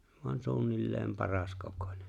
vain suunnilleen paraskokoinen